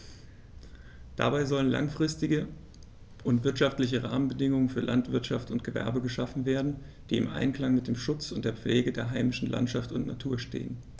Dabei sollen langfristige und wirtschaftliche Rahmenbedingungen für Landwirtschaft und Gewerbe geschaffen werden, die im Einklang mit dem Schutz und der Pflege der heimischen Landschaft und Natur stehen.